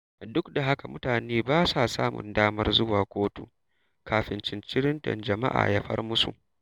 Duk da haka, mutanen ba sa samun damar zuwa kotu kafin cincirindon jama'a ya far musu.